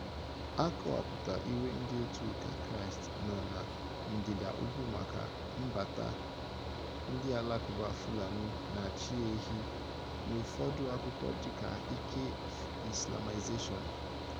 Akọwapụtara iwe ndị Otu Ụka Kraịst nọ na ndịda ugwu maka mbata ndị Alakụba Fulani na-achị ehi n'ụfọdụ akụkọ dịka ike 'Islamisation'.